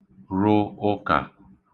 rụ ụkà